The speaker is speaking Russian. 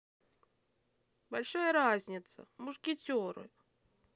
большая разница мушкетеры